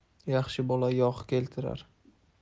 yaxshi bola yog' keltirar